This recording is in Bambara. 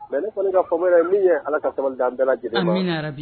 Mɛ ne fana ka faamuyam ye min ye ala ka sabali an bɛɛ lajɛlen ma